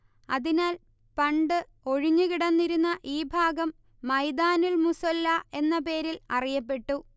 അതിനാൽ പണ്ട് ഒഴിഞ്ഞുകിടന്നിരുന്ന ഈ ഭാഗം മൈദാനുൽ മുസ്വല്ല എന്ന പേരിൽ അറിയപ്പെട്ടു